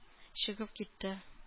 Чыгып китте